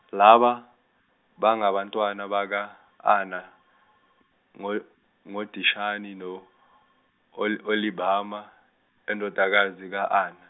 laba bangabantwana baka Ana, ngo- ngoDishani no -Ol- Oholibama indodakazi ka Ana.